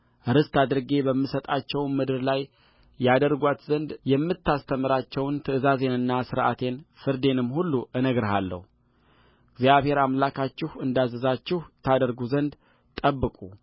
ርስት አድርጌ በምሰጣቸውም ምድር ላይ ያደርጉአት ዘንድ የምታስተምራቸውን ትእዛዜንና ሥርዓቴን ፍርዴንም ሁሉ እነግርሃለሁእግዚአብሔር አምላካችሁ እንዳዘዛችሁ ታደርጉ ዘንድ ጠብቁ